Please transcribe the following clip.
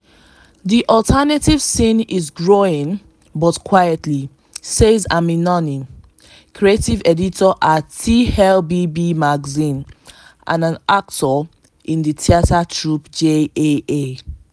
“The alternative scene is growing, but quietly,” says Amine Nawny, creative editor at TLBB magazine and an actor in the theater troupe JAA.